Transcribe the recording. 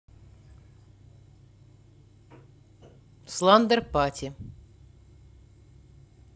сландер пати